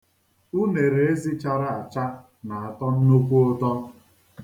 Unereezi chara acha na-atọ nnukwu ụtọ.